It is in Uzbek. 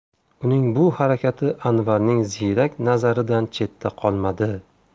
uning bu harakati anvarning ziyrak nazaridan chetda qolmadi